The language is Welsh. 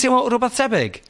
...teimlo rwbath tebyg?